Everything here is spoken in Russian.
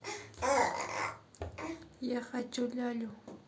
я хочу лялю